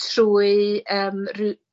trwy yym ry-